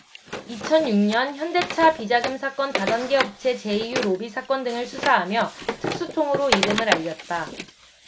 이천 육 년 현대차 비자금 사건 다단계 업체 제이유 로비 사건 등을 수사하며 특수통으로 이름을 알렸다